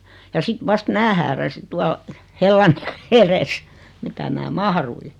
ja sitten vasta minä hääräsin tuolla hellan edessä mitä minä mahduin